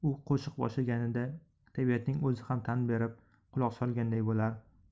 u qo'shiq boshlaganida tebiatning o'zi ham tan berib quloq solganday bo'lar